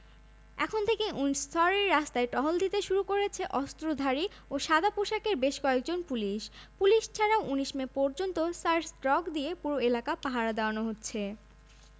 এখন থেকেই উইন্ডসরের রাস্তায় টহল দিতে শুরু করেছে অস্ত্রধারী ও সাদাপোশাকের বেশ কয়েকজন পুলিশ পুলিশ ছাড়াও ১৯ মে পর্যন্ত সার্চ ডগ দিয়ে পুরো এলাকা পাহারা দেওয়ানো হচ্ছে